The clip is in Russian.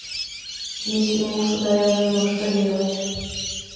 если муж ударил жену что делать